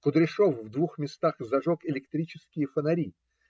Кудряшов в двух местах зажег электрические фонари